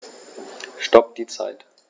Stopp die Zeit